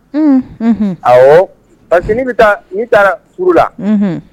Parce que'i bɛ taa n'i taara furu la